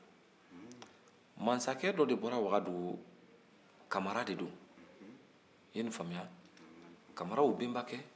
kamara de don i ye nin faamuya kamaraw bɛnbakɛ